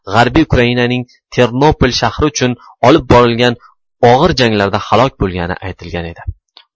g'arbiy ukrainaning ternopol shahri uchun olib borilgan og'ir janglarda halok bo'lganligi aytilgan edi